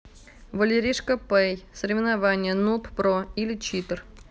валеришка play соревнование нуб про или читер